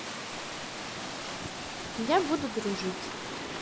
я буду дружить